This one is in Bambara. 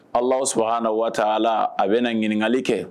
Ala sha na waa a la a bɛna ɲininkakali kɛ